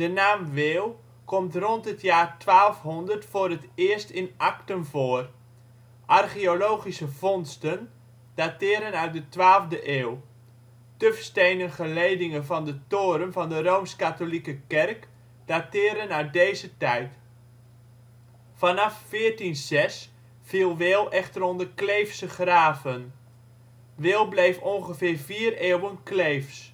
naam Wehl (Weel) komt rond het jaar 1200 voor het eerst in akten voor. Archeologische vondsten dateren uit de 12e eeuw. Tufstenen geledingen van de toren van de rooms-Katholieke kerk dateren uit deze tijd. Vanaf 1406 viel Wehl echter onder Kleefse graven. Wehl bleef ongeveer vier eeuwen Kleefs